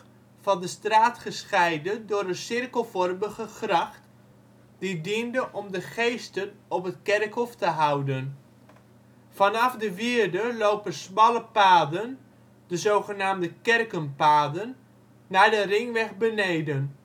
van de straat gescheiden door een cirkelvormige gracht, die diende om de geesten op het kerkhof te houden. Vanaf de wierde lopen smalle paden (de zogenaamde kerkenpaden) naar de ringweg beneden